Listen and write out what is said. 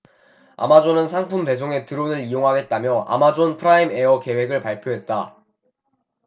아마존은 상품 배송에 드론을 이용하겠다며 아마존 프라임에어 계획을 발표했다